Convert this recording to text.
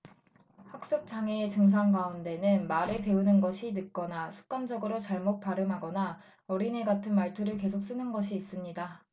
학습 장애의 증상 가운데는 말을 배우는 것이 늦거나 습관적으로 잘못 발음하거나 어린애 같은 말투를 계속 쓰는 것이 있습니다